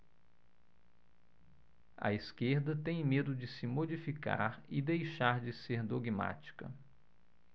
a esquerda tem medo de se modificar e deixar de ser dogmática